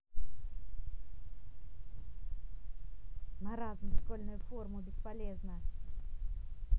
маразм школьную форму бесполезна